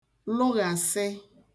lụghàsị